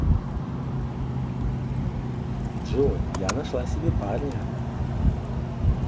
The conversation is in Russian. джой я нашла себе парня